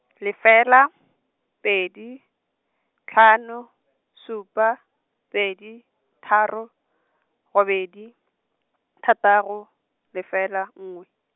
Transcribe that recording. lefela, pedi, tlhano, supa, pedi, tharo, robedi, thataro, lefela nngwe.